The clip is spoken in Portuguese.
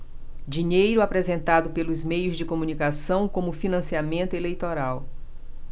dinheiro apresentado pelos meios de comunicação como financiamento eleitoral